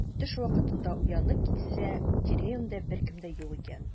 Төш вакытында уянып китсә, тирә-юньдә беркем дә юк икән.